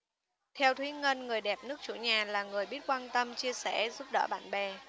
theo thúy ngân người đẹp nước chủ nhà là người biết quan tâm chia sẻ giúp đỡ bạn bè